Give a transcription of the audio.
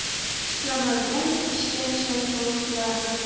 ishlanmagan ishga shayton kular